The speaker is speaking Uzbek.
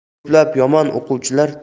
ko'plab yomon o'quvchilar